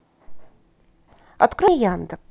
открой мне яндекс